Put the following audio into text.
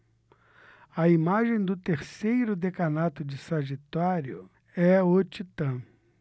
a imagem do terceiro decanato de sagitário é o titã